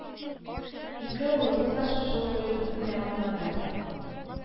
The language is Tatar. Ике улыбыз да шушы уку йортын тәмамлады